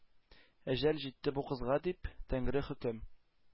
«әҗәл җитте бу кызга!»— дип, тәңре хөкем